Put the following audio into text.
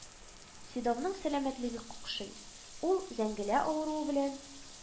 Седовның сәламәтлеге какшый, ул зәңгелә авыруы белән